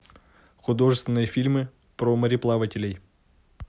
художественные фильмы про мореплавателей